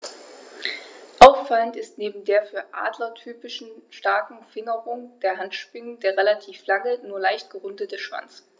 Auffallend ist neben der für Adler typischen starken Fingerung der Handschwingen der relativ lange, nur leicht gerundete Schwanz.